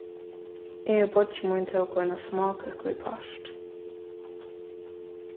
eg og beiggi mín tóku eina smákøku í part